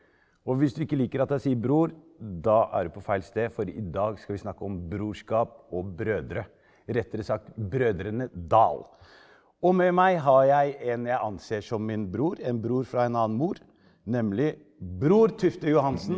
og hvis du ikke liker at jeg sier bror da er du på feil sted for i dag skal vi snakke om brorskap og brødre, rettere sagt brødrene Dal og med meg har jeg en jeg anser som min bror en bror fra en annen mor nemlig bror Tufte Johansen.